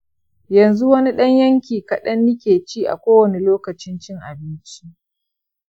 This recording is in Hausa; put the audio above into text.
yanzu wani ɗan yanki kaɗan nike ci a kowane lokacin cin abinci.